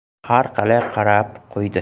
har qalay qarab qo'ydi